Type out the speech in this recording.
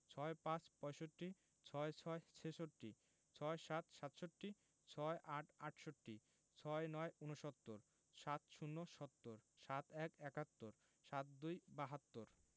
৬৫ – পয়ষট্টি ৬৬ – ছেষট্টি ৬৭ – সাতষট্টি ৬৮ – আটষট্টি ৬৯ – ঊনসত্তর ৭০ - সত্তর ৭১ – একাত্তর ৭২ – বাহাত্তর